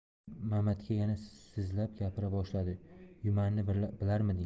mamatga yana sizlab gapira boshladi jumanni bilarmidingiz